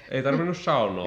ei tarvinnut saunaa